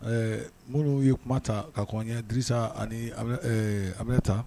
Ɛɛ mori ye kuma ta ka kɔn ye sa ani a bɛ ta